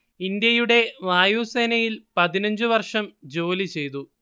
ഇന്ത്യയുടെ വായുസേനയിൽ പതിനഞ്ചു വർഷം ജോലി ചെയ്തു